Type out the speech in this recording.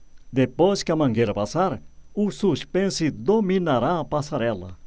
depois que a mangueira passar o suspense dominará a passarela